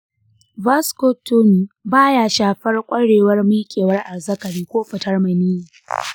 vasectomy ba ya shafar ƙwarewar miƙewar azzakari ko fitar maniyyi.